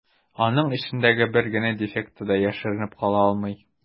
Аның эчендәге бер генә дефекты да яшеренеп кала алмый.